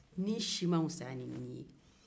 ni si ma fusaa ni si